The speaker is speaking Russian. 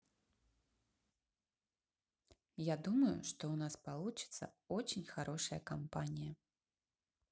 я думаю что у нас получится очень хорошая компания